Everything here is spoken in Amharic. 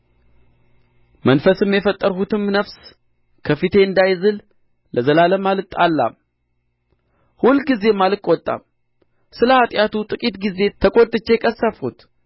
መንፈስም የፈጠርሁትም ነፍስ ከፊቴ እንዳይዝል ለዘላለም አልጣላም ሁልጊዜም አልቈጣም ስለ ኃጢአቱ ጥቂት ጊዜ ተቈጥቼ ቀሠፍሁት